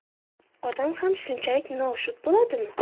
odam ham shunchalik noshud bo'ladimi